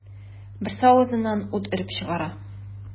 Берсе авызыннан ут өреп чыгара.